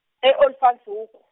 e- Olifantshoek.